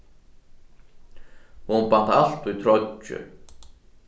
hon bant altíð troyggjur